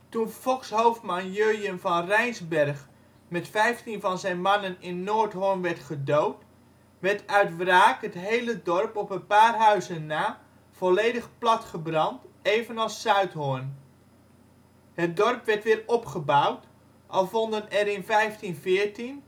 Toen Fox ' hoofdman Jurjen van Reijnsberg met 15 van zijn mannen in Noordhorn werd gedood, werd uit wraak het hele dorp op een paar huizen na volledig platgebrand evenals Zuidhorn. Het dorp werd weer opgebouwd (al vonden er in 1514, 1516 en 1522